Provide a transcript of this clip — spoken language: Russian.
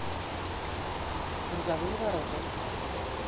грузовые ворота